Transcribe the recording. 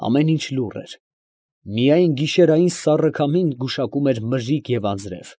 Ամեն ինչ լուռ էր. միայն գիշերային սառն քամին գուշակում էր մրրիկ և անձրև։